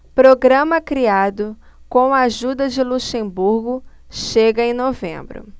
programa criado com a ajuda de luxemburgo chega em novembro